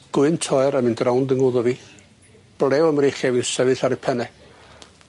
gwynt oer yn mynd rownd yng ngwddw fi, blew 'ym mreiche fi sefyll ar 'u penne.